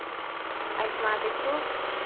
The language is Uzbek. aytmadi ku